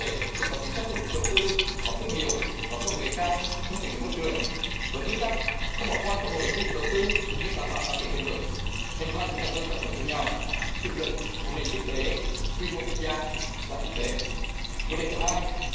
thể cần có chính sách thu hút đầu tư có thương hiệu có công nghệ cao thân thiện với môi trường với nguyên tắc không bỏ qua cơ hội thu hút đầu tư những đảm bảo phát triển bền vững hình thành những lĩnh vực sản xuất mũi nhọn chủ lực của nền kinh tế quy mô quốc gia và quốc tế vấn đề thứ hai